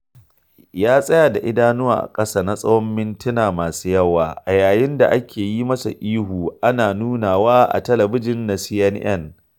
Ya tsaya da idanuwa a ƙasa na tsawon mintina masu yawa a yayin da ake yi masa ihu, ana nunawa a talabijin na CNN.